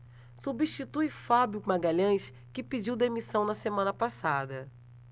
substitui fábio magalhães que pediu demissão na semana passada